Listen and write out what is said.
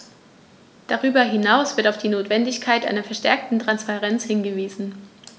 Darüber hinaus wird auf die Notwendigkeit einer verstärkten Transparenz hingewiesen.